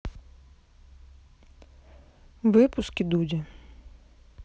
выпуски дудя